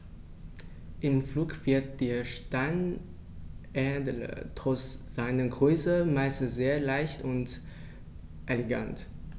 Im Flug wirkt der Steinadler trotz seiner Größe meist sehr leicht und elegant.